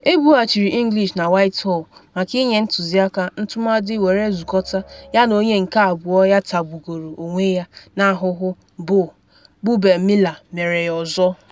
Ebughachiri English na Whitehall maka inye ntuziaka ntụmadị were zukọta yana onye nke abụọ ya tagbugoro onwe ya n’ahụhụ Bough, bụ Ben Miller mere ya ọzọ.